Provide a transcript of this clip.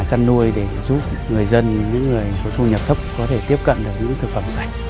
chăn nuôi để giúp người dân những người có thu nhập thấp có thể tiếp cận được những thực phẩm sạch